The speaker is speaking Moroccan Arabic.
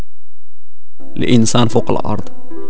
الانسان فوق الارض